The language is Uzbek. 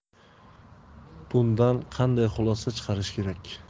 bundan qanday xulosa chiqarish kerak